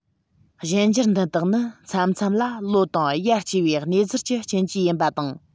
གཞན འགྱུར འདི དག ནི མཚམས མཚམས ལ ལོ དང ཡར སྐྱེ བའི གནས ཚུལ གྱི རྐྱེན གྱིས ཡིན པ དང